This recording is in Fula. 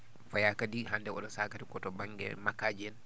fayaa kadi hannde oɗo sahaa kadi koto baŋnge makkaaji en